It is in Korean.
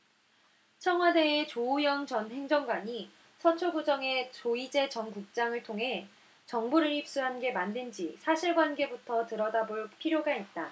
청와대의 조오영 전 행정관이 서초구청의 조이제 전 국장을 통해 정보를 입수한 게 맞는지 사실관계부터 들여다볼 필요가 있다